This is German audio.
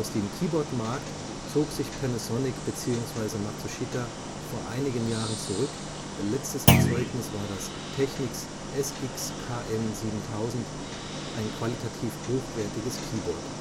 dem Keyboard-Markt zog sich Panasonic/Matsushita vor einigen Jahren zurück, letztes Erzeugnis war das Technics SX-KN 7000, ein qualitativ hochwertiges Keyboard